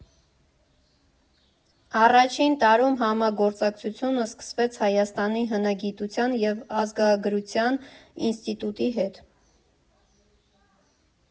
Առաջին տարում համագործակցությունը սկսվեց Հայաստանի հնագիտության և ազգագրության ինստիտուտի հետ։